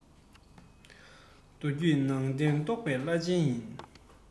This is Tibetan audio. མདོ རྒྱུད ནང བསྟན རྟོགས པའི བླ ཆེན ཡིན